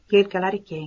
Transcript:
yelkalari keng